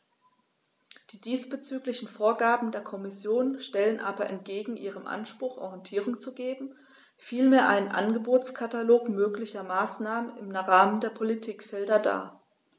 Die diesbezüglichen Vorgaben der Kommission stellen aber entgegen ihrem Anspruch, Orientierung zu geben, vielmehr einen Angebotskatalog möglicher Maßnahmen im Rahmen der Politikfelder dar.